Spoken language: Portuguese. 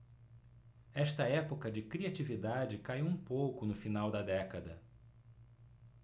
esta época de criatividade caiu um pouco no final da década